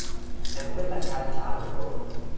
em có biết tại sao anh chán mụ vợ không